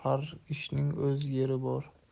har ishning o'z yeri bor